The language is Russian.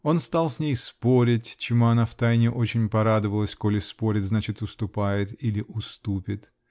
он стал с ней спорить, чему она втайне очень порадовалась: коли спорит, значит уступает или уступит.